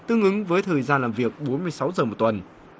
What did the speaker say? tương ứng với thời gian làm việc bốn mươi sáu giờ một tuần